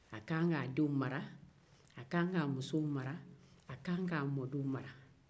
a k'an k'a denw mara a k'an k'a muso mara a k'an k'a mɔdenw mara